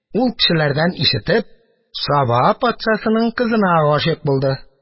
Ул, кешеләрдән ишетеп, Саба патшасының кызына гашыйк булды.